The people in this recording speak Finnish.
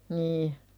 niin